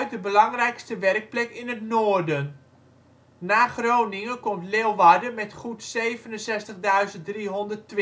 de belangrijkste werkplek in het noorden. Na Groningen komt Leeuwarden met goed 67.320. Het